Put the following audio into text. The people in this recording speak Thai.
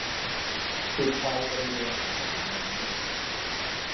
ปิดไฟบริเวณอ่างอาบน้ำ